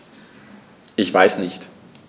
Ich weiß nicht.